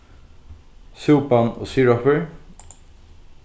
súpan og siropur